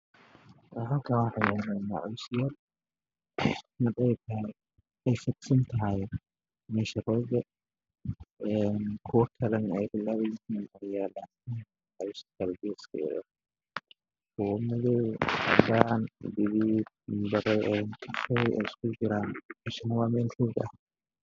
Meeshan waa roog waxaa yaalo macwiisyo caddaan ah mid waa fiirsantahay kuwa kale ayaa ag yaalo